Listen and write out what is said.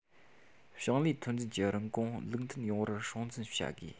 ཞིང ལས ཐོན རྫས ཀྱི རིན གོང ལུགས མཐུན ཡོང བར སྲུང འཛིན བྱ དགོས